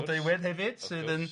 Blodeuwedd hefyd sydd yn